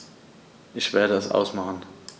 Ich werde es ausmachen